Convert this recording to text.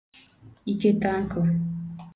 iketankụ̄